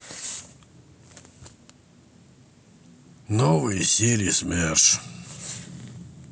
новые серии смерш